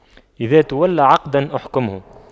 إذا تولى عقداً أحكمه